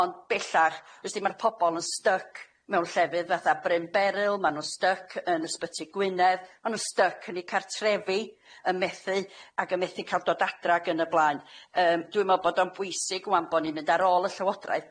ond bellach ysti ma'r pobol yn styc mewn llefydd fatha Bren Beryl ma' nw styc yn Ysbyty Gwynedd ma' nw styc yn eu cartrefi yn methu ag yn methu ca'l dod adra ag yn y blaen yym dwi me'wl bod o'n bwysig ŵan bo' ni'n mynd ar ôl y Llywodraeth